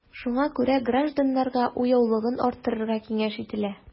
Шуңа күрә гражданнарга уяулыгын арттырыга киңәш ителә.